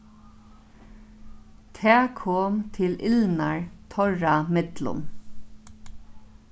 tað kom til ilnar teirra millum